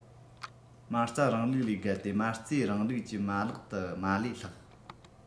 མ རྩ རིང ལུགས ལས བརྒལ ཏེ མ རྩའི རིང ལུགས ཀྱི མ ལག ཏུ མ ལས ལྷག